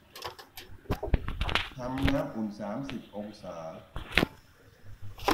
ทำน้ำอุ่นสามสิบองศา